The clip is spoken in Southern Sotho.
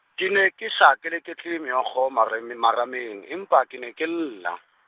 ke ne ke sa keleketle meokgo marame-, marameng, empa ke ne ke lla.